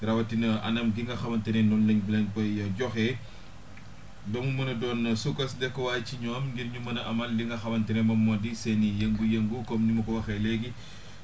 rawatina anam gi nga xamante ne noonu la ñu leen koy joxee ba mu mën a doon sukkasndekuwaay ci ñoom ngir ñu mën a amal li nga xamante ne moom moo di seen i yëngu-yëngu comme ni mu ko waxee léegi